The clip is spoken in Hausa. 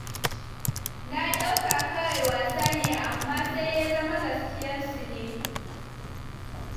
“na dauka kawai wasa ne, amma sai ya zama gaskiyan su ne.”